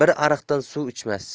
bir buloqdan suv ichmas